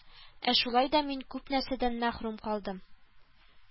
Ә шулай да мин күп нәрсәдән мәхрүм калдым